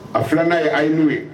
A fana'a ye a' ye n'o ye